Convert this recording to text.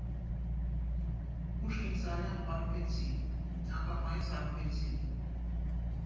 Պուշկին֊Սարյան֊Փարպեցի՝ ակամայից հարբեցի։